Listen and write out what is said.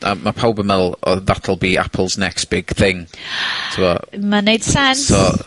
A ma' pawb yn meddwl. O, that'll be Apple's next big thing, t'mo'... Ma'n neud sense. ...so...